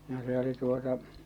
no se oli tuota